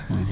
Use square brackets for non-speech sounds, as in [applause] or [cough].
[hesitation] [hesitation]